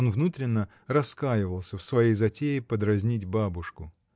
Он внутренно раскаивался в своей затее подразнить бабушку.